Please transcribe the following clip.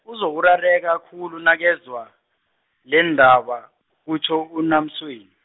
uzokurareka khulu nakezwa, lendaba, kutjho UNaMtshweni.